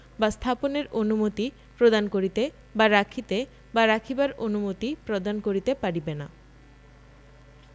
বা স্থাপনের অনুমতি প্রদান করিতে বা রাখিতে বা রাখিবার অনুমতি প্রদান করিতে পারিবে না